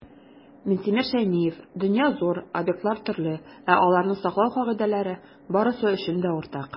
Минтимер Шәймиев: "Дөнья - зур, объектлар - төрле, ә аларны саклау кагыйдәләре - барысы өчен дә уртак".